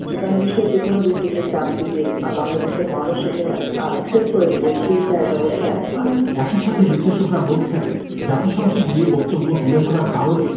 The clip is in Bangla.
সুতরাং বিশ্বের যে কোন দেশে সে চাপ দিবে আর বাংলাদেশের মানুষ সেখানে এক্সেপ্ট করে নিবে সেই জায়গা বোধহয় এখন আর নেই একই সাথে বিশ্লেষকরা বলছেন জাতিসংঘে গিয়ে বক্তব্য তুলে ধরার কারণে